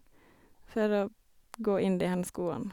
For å gå inn de her skoene.